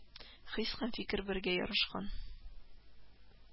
Хис һәм Фикер бергә ярашкан